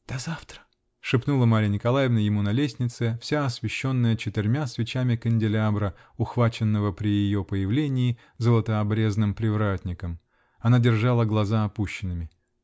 "До завтра!" -- шепнула Марья Николаевна ему на лестнице, вся освещенная четырьмя свечами канделябра, ухваченного при ее появлении золотообрезным привратником. Она держала глаза опущенными.